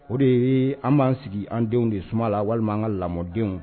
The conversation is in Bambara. O de ye an b'an sigi an denw de suma la, walima an ka lamɔdenw